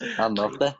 anodd de?